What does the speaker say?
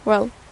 Wel,